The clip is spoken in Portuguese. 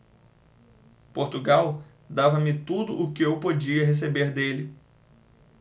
portugal dava-me tudo o que eu podia receber dele